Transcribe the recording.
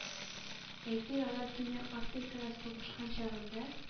Әйтик, алар Төньяк Африкада сугышкан чагында